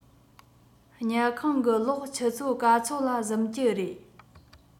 ཉལ ཁང གི གློག ཆུ ཚོད ག ཚོད ལ གཟིམ གྱི རེད